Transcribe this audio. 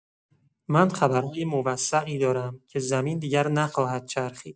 من خبرهای موثقی دارم که زمین دیگر نخواهد چرخید.